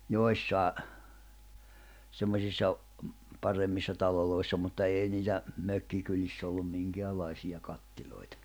joissakin semmoisissa - paremmissa taloissa mutta ei niitä mökkikylissä ollut minkäänlaisia herraspaikoissa kattiloita